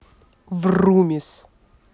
врумиз